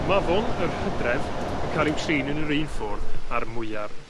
mafon yr Hydref yn ca'l i'w trin yn yr un ffordd a'r mwyar